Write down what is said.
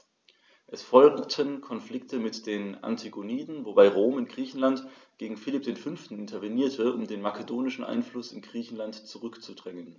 Es folgten Konflikte mit den Antigoniden, wobei Rom in Griechenland gegen Philipp V. intervenierte, um den makedonischen Einfluss in Griechenland zurückzudrängen.